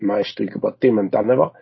Maes dwi'n gwbod dim amdano fo.